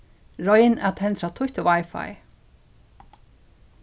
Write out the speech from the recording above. royn at tendra títt wifi